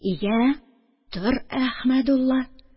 Йә, тор, Әхмәдулла.